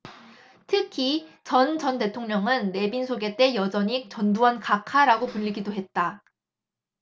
특히 전 전 대통령은 내빈 소개 때 여전히 전두환 각하라고 불리기도 했다